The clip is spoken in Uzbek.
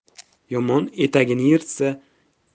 yomon etagingni yirtsa